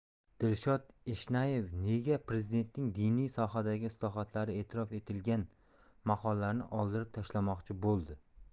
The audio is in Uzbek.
dilshod eshnayev nega prezidentning diniy sohadagi islohotlari e'tirof etilgan maqolalarni oldirib tashlamoqchi bo'ldi